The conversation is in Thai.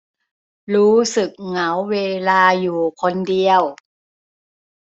รู้สึกเหงาเวลาอยู่คนเดียว